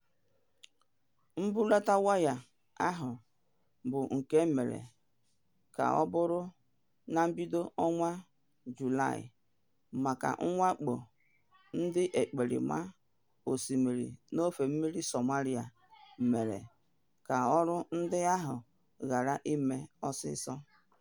Mbulata waya ahụ bụ nke e mere ka ọ bụrụ na mbido ọnwa Julaị, mana mwakpo ndị ekperima osimmiri n'ofe mmiri Somalia mere ka ọrụ ndị ahụ ghara ime ọsịsọ.